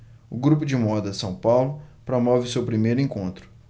o grupo de moda são paulo promove o seu primeiro encontro